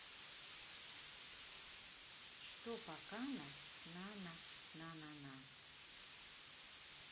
что покана на на нанана